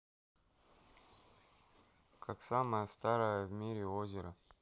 какое самое старое в мире озеро